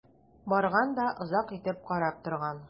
Барган да озак итеп карап торган.